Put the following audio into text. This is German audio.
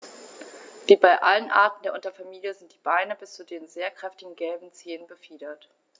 Wie bei allen Arten der Unterfamilie sind die Beine bis zu den sehr kräftigen gelben Zehen befiedert.